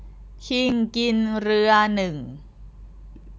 คิงกินเรือหนึ่ง